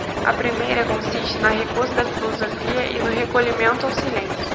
a primeira consiste na recusa da filosofia e no recolhimento ao silêncio